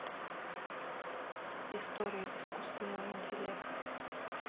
история искусственного интеллекта